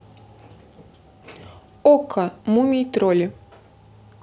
окко мумий тролли